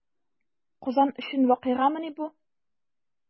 Казан өчен вакыйгамыни бу?